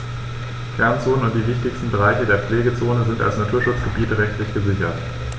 Kernzonen und die wichtigsten Bereiche der Pflegezone sind als Naturschutzgebiete rechtlich gesichert.